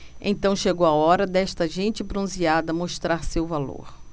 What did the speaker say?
então chegou a hora desta gente bronzeada mostrar seu valor